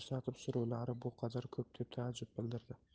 ko'rsatib suruvlar bu qadar ko'p deb taajjub bildirdi